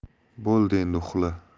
bo'ldi endi uxla